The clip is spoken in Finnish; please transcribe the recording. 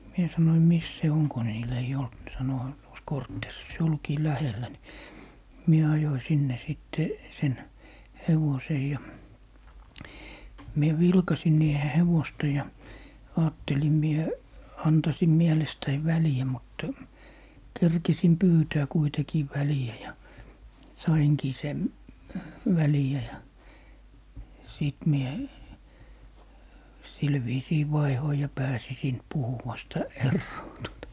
minä sanoin missä se on kun niillä ei ollut ne sanoi heillä on tuossa kortteerissa se olikin lähellä niin minä ajoin sinne sitten sen hevosen ja minä vilkaisin niiden hevosta ja ajattelin minä antaisin mielestäni väliä mutta kerkisin pyytää kuitenkin väliä ja sainkin sen väliä ja sitten minä sillä viisiin vaihdoin ja pääsin siitä puhuvasta eroon tuota